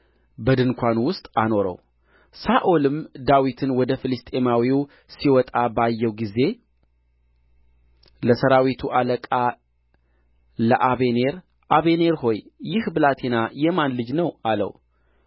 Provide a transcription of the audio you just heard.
በድንኳኑ ውስጥ አኖረው ሳኦልም ዳዊትን ወደ ፍልስጥኤማዊው ሲወጣ ባየው ጊዜ ለሠራዊቱ አለቃ ለአበኔር አበኔር ሆይ ይህ ብላቴና የማን ልጅ ነው አለው